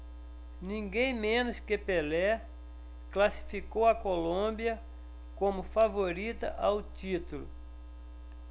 ninguém menos que pelé classificou a colômbia como favorita ao título